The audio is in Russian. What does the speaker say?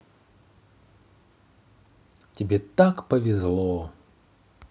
тебе так повезло